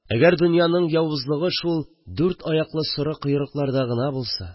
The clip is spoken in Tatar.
Әгәр донъяның явызлыгы шул дүрт аяклы соры койрыкларда гына булса